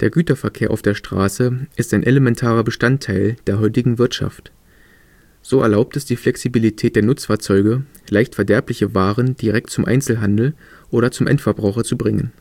Güterverkehr auf der Straße ist ein elementarer Bestandteil der heutigen Wirtschaft. So erlaubt es die Flexibilität der Nutzfahrzeuge, leicht verderbliche Waren direkt zum Einzelhandel oder zum Endverbraucher zu bringen